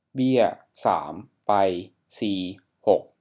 เบี้ยสามไปซีหก